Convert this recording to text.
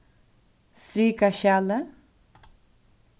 strika skjalið